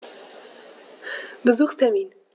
Besuchstermin